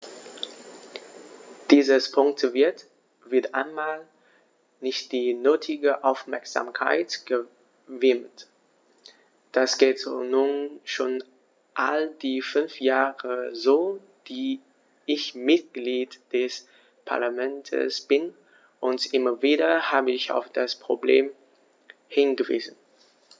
Diesem Punkt wird - wieder einmal - nicht die nötige Aufmerksamkeit gewidmet: Das geht nun schon all die fünf Jahre so, die ich Mitglied des Parlaments bin, und immer wieder habe ich auf das Problem hingewiesen.